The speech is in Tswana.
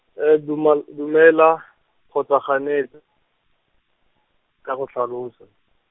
dumal-, dumela, kgotsa gane , ka go tlhalosa.